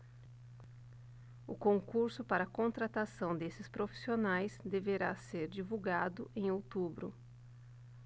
o concurso para contratação desses profissionais deverá ser divulgado em outubro